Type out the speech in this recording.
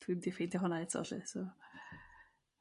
Dwi'm 'di ffeindio honna eto 'lly so .